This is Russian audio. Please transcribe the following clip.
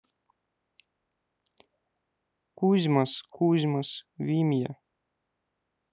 кузьмас кузьмас вимья